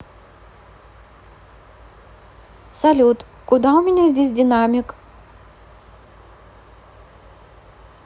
салют куда у меня здесь динамик